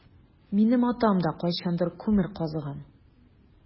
Минем атам да кайчандыр күмер казыган.